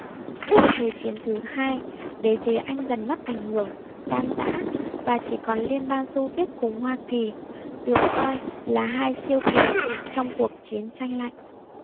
sau thế chiến thứ hai đế chế anh dần mất ảnh hưởng tan rã và chỉ còn liên bang xô viết cùng hoa kỳ được coi là hai siêu cường trong cuộc chiến tranh lạnh